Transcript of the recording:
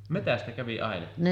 metsästä kävi ainetta